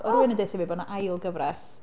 Oedd rywun yn deutha fi bod 'na ail gyfres.